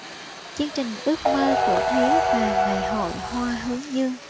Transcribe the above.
chương trình ước mơ của thúy và ngày hội hoa hướng dương